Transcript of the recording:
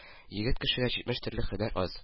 Егет кешегә җитмеш төрле һөнәр аз.